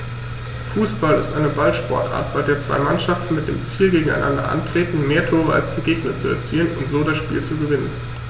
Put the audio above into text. Fußball ist eine Ballsportart, bei der zwei Mannschaften mit dem Ziel gegeneinander antreten, mehr Tore als der Gegner zu erzielen und so das Spiel zu gewinnen.